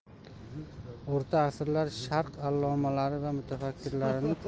o'rta asrlar sharq allomalari va mutafakkirlarining tarixiy